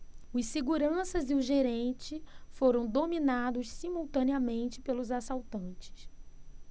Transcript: os seguranças e o gerente foram dominados simultaneamente pelos assaltantes